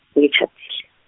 ngitjhadile.